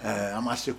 An ma se